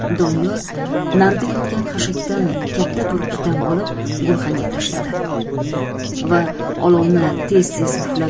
doniyor narida yotgan xashakdan katta bir tutam olib gulxanga tashladi va olovni tez tez puflab